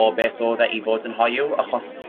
o beth odd e i fod yn hoyw achos